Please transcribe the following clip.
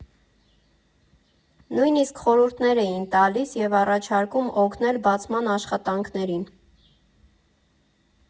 Նույնիսկ խորհուրդներ էին տալիս և առաջարկում օգնել բացման աշխատանքներին։